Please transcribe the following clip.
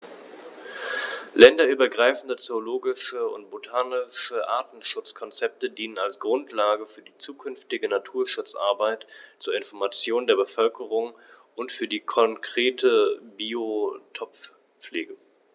Länderübergreifende zoologische und botanische Artenschutzkonzepte dienen als Grundlage für die zukünftige Naturschutzarbeit, zur Information der Bevölkerung und für die konkrete Biotoppflege.